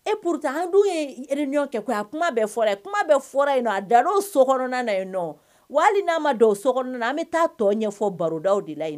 E pote an dun ye e ni ɲɔgɔn kɛ a kuma bɛ fɔra kuma bɛ fɔra yen a da sok yen nɔ wali n'a ma dɔw o sok an bɛ taa tɔ ɲɛfɔ barodaw de la yen